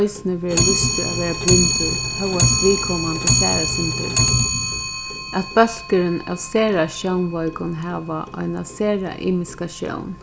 eisini verður lýstur at vera blindur hóast viðkomandi sær eitt sindur at bólkurin av sera sjónveikum hava eina sera ymiska sjón